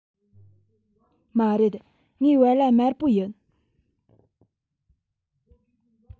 མ རེད ངའི བལ ལྭ དམར པོ ཡིན